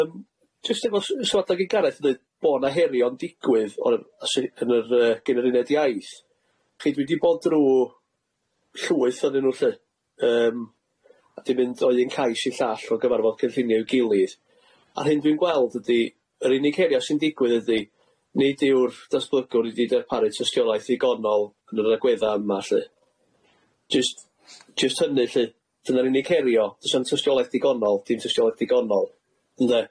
Yym jyst efo sw- sywada i Gareth ddeud bo' na herion digwydd o'r sy- yn yr yy gen yr uned iaith chi dwi di bod drw llwyth ohonyn nw lly yym a di mynd o un cais i llall o gyfarfod cynllunio i'w gilydd a hyn dwi'n gweld ydi yr unig herio sy'n digwydd ydi nid yw'r datblygwr wedi darparu tystiolaeth ddigonol yn yr agwedda yma lly jyst jyst hynny lly dyna'r unig herio do's na'm tystiolaeth digonol dim tystiolaeth digonol ynde?